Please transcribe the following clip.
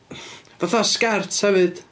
Fatha sgert hefyd...